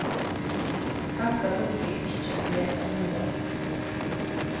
kanska dugdi eg ikki at meta um longur